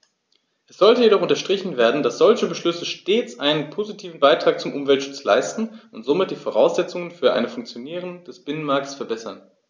Es sollte jedoch unterstrichen werden, dass solche Beschlüsse stets einen positiven Beitrag zum Umweltschutz leisten und somit die Voraussetzungen für ein Funktionieren des Binnenmarktes verbessern.